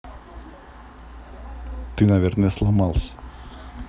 ты наверное сломался